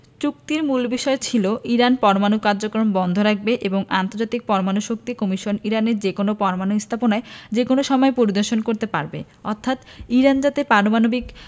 চুক্তির মূল বিষয় ছিল ইরান পরমাণু কার্যক্রম বন্ধ রাখবে এবং আন্তর্জাতিক পরমাণু শক্তি কমিশন ইরানের যেকোনো পরমাণু স্থাপনায় যেকোনো সময় পরিদর্শন করতে পারবে অর্থাৎ ইরান যাতে পারমাণবিক